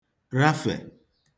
rafè